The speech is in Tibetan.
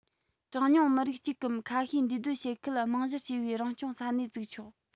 གྲངས ཉུང མི རིགས གཅིག གམ ཁ ཤས འདུས སྡོད བྱེད ཁུལ རྨང གཞིར བྱས པའི རང སྐྱོང ས གནས བཙུགས ཆོག